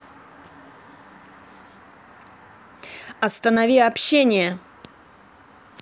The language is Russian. останови общение